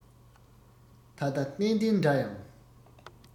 ད ལྟ བརྟན བརྟན འདྲ ཡང